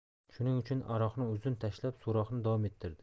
shuning uchun arqonni uzun tashlab so'roqni davom ettirdi